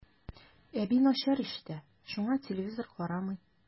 Әби начар ишетә, шуңа телевизор карамый.